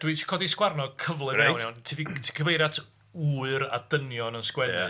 Dwi isio codi'r 'sgwarnog cyflym iawn, iawn... Reit...Ti'n cyfeirio at wyr a dynion yn 'sgwennu.